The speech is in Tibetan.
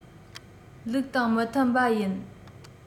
ལུགས དང མི མཐུན པ ཡིན